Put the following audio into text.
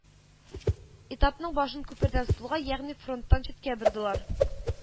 Этапның башын күпердән сулга, ягъни фронттан читкә бордылар